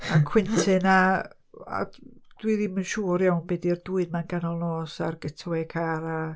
A Quentin a a dwi ddim yn siŵr iawn be di'r dwyn 'ma'n ganol nos a'r getaway car a...